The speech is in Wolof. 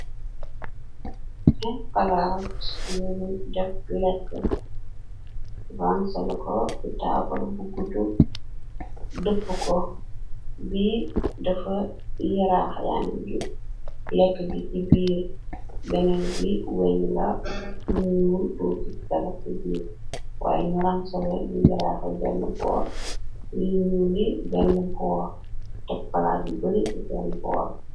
Ehh palaat yun def leke rangsalako ci taabul bu guddu dëpuko bi dafa yaraax yànge giss leke gi ci biir beneen bi weñ la bu ñuul du gis dara ci biir waaye ñu ransale yu yaraaxe benn boor yu ñuuli benn boor tek palaat yu bary ci sen borr.